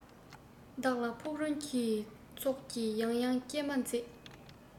བདག ལ ཕུག རོན གྱི ཚོགས ཀྱིས ཡང ཡང སྐྱེལ མ མཛད